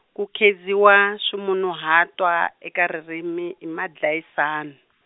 ku khedziwa swimunhuhatwa eka ririmi i madlayisani.